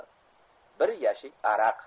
bir yashik aroq